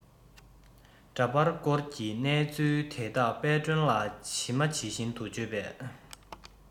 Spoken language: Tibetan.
འདྲ པར བསྐོར གྱི གནས ཚུལ དེ དག དཔལ སྒྲོན ལ ཇི མ ཇི བཞིན དུ བརྗོད པས